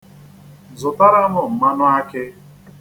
Zụtara m mmanụakị.